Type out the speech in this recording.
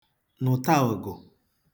nụ̀ta ọ̀gụ̀